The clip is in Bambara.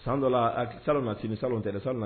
San dɔ la salonnasini salon tɛ dɛ salon